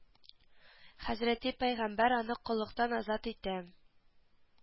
Хәзрәти пәйгамбәр аны коллыктан азат итә